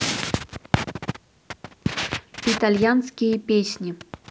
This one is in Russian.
итальянские песни